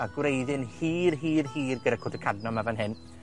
ma' gwreiddyn hir, hir, hir gyda Cwt y Cadno 'ma fan hyn.